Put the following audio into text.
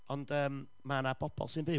Ond, yym, mae 'na pobl sy'n byw.